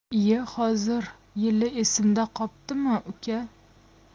iye hozir yili esimda qoptimi uka